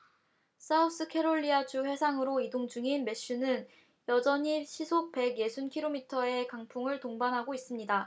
사우스캐롤리아 주 해상으로 이동 중인 매슈는 여전히 시속 백 예순 킬로미터의 강풍을 동반하고 있습니다